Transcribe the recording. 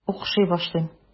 Укшый башлыйм.